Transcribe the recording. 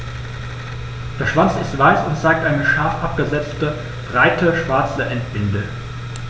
Der Schwanz ist weiß und zeigt eine scharf abgesetzte, breite schwarze Endbinde.